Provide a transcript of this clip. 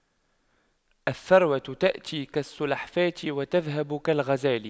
الثروة تأتي كالسلحفاة وتذهب كالغزال